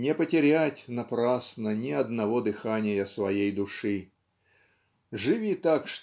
не потерять напрасно ни одного дыхания своей души. Живи так